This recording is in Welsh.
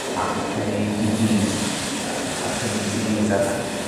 A prynu Dee Vee Dees a a pry- a prynu See Dees a f- a